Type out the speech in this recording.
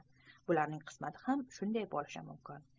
bularning qismati ham shunday bo'lishi mumkin